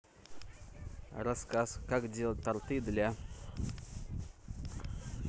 рассказ как делать торты для